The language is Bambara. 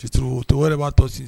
Stuuru to wɛrɛ b'atɔ sisan